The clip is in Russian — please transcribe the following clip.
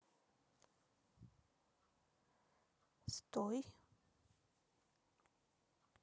стой